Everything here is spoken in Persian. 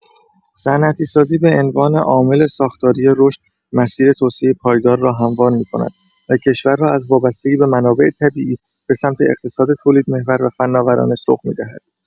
صنعتی‌سازی به عنوان عامل ساختاری رشد، مسیر توسعۀ پایدار را هموار می‌کند و کشور را از وابستگی به منابع طبیعی به سمت اقتصاد تولیدمحور و فناورانه سوق می‌دهد.